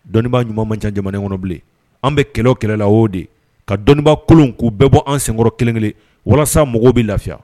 Dɔnniibaa ɲuman manjan jamana kɔnɔ bilen an bɛ kɛlɛ kɛlɛ la o de ka dɔnniibaa kolon k'u bɛɛ bɔ an senkɔrɔ kelenkelen walasa mɔgɔw bɛ lafiya